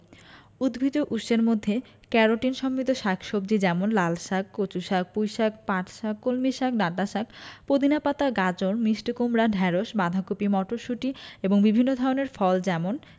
উদ্ভিজ্জ উৎসের মধ্যে ক্যারোটিন সমৃদ্ধ শাক সবজি যেমন লালশাক কচুশাক পুঁইশাক পাটশাক কলমিশাক ডাঁটাশাক পুদিনা পাতা গাজর মিষ্টি কুমড়া ঢেঁড়স বাঁধাকপি মটরশুঁটি এবং বিভিন্ন ধরনের ফল যেমন